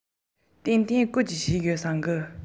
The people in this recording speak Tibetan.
གཏན གཏན ཅི ཞིག བརྐུས པ འདྲ